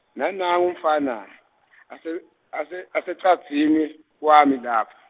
nanangu umfana, ase- ase- asecadzini kwami lapha.